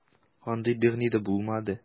Андый берни дә булмады.